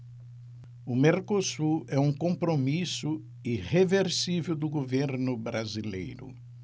o mercosul é um compromisso irreversível do governo brasileiro